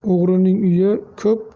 o'g'rining uyi ko'p